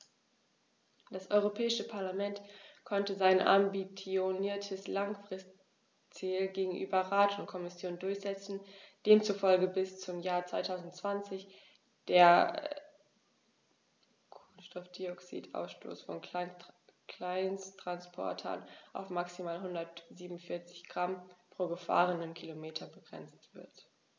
Das Europäische Parlament konnte sein ambitioniertes Langfristziel gegenüber Rat und Kommission durchsetzen, demzufolge bis zum Jahr 2020 der CO2-Ausstoß von Kleinsttransportern auf maximal 147 Gramm pro gefahrenem Kilometer begrenzt wird.